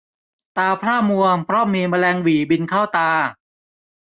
ตาพร่ามัวเพราะมีแมลงหวี่บินเข้าตา